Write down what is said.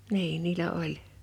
niin niillä oli